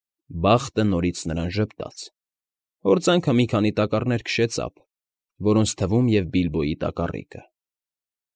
Բախտը նորից նրան ժպտաց. հորձանքը մի քանի տակառներ քշեց ափ, որոնց թվում և Բիլբոյի տակառիկը։